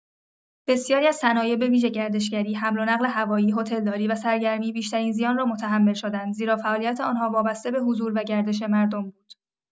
بسیاری از صنایع به‌ویژه گردشگری، حمل‌ونقل هوایی، هتلداری و سرگرمی بیشترین زیان را متحمل شدند، زیرا فعالیت آنها وابسته به حضور و گردش مردم بود.